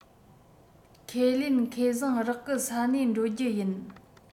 ཁས ལེན ཁེ བཟང རག གི ས གནས འགྲོ རྒྱུ ཡིན